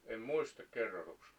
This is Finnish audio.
en muista kerrotuksi